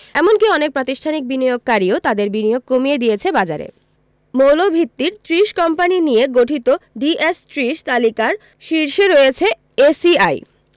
এমনকি অনেক প্রাতিষ্ঠানিক বিনিয়োগকারীও তাদের বিনিয়োগ কমিয়ে দিয়েছে বাজারে মৌলভিত্তির ৩০ কোম্পানি নিয়ে গঠিত ডিএস ৩০ তালিকার শীর্ষে রয়েছে এসিআই